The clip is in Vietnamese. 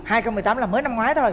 hai không mười tám là mới năm ngoái thôi